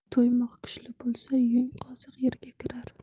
to'qmoq kuchli bo'lsa yung qoziq yerga kirar